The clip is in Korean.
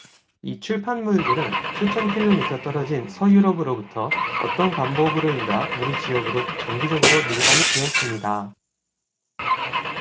이 출판물들은 수천 킬로미터 떨어진 서유럽으로부터 어떤 방법으로인가 우리 지역으로 정기적으로 밀반입되었습니다